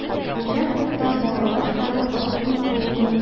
Участокта балалар саны аз дип булмый.